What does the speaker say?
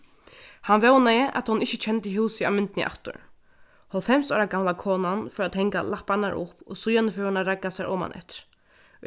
hann vónaði at hon ikki kendi húsið á myndini aftur hálvfems ára gamla konan fór at hanga lapparnar upp og síðani fór hon at ragga sær omaneftir